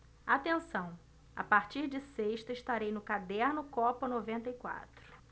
atenção a partir de sexta estarei no caderno copa noventa e quatro